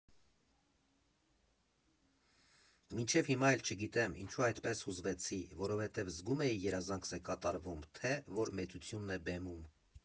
Մինչև հիմա էլ չգիտեմ՝ ինչու այդպես հուզվեցի, որովհետև զգո՞ւմ էի երազանքս է կատարվում, թե՞ որ Մեծությունն է բեմում։